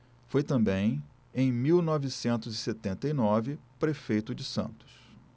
foi também em mil novecentos e setenta e nove prefeito de santos